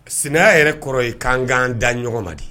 Sɛnɛ yɛrɛ kɔrɔ ye kankan da ɲɔgɔn ma di